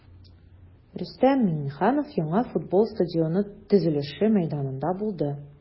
Рөстәм Миңнеханов яңа футбол стадионы төзелеше мәйданында булды.